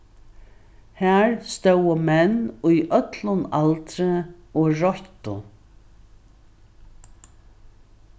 har stóðu menn í øllum aldri og royttu